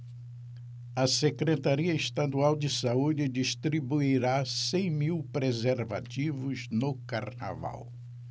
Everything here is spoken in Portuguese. a secretaria estadual de saúde distribuirá cem mil preservativos no carnaval